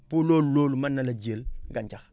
pour loolu loolu mën na la jiyal gàncax